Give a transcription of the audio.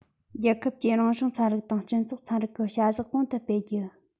རྒྱལ ཁབ ཀྱིས རང བྱུང ཚན རིག དང སྤྱི ཚོགས ཚན རིག གི བྱ གཞག གོང དུ སྤེལ རྒྱུ